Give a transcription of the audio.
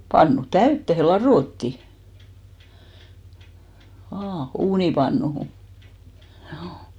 pannu täyteen ladottiin vain uunipannuun juu